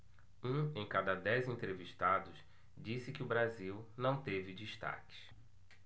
um em cada dez entrevistados disse que o brasil não teve destaques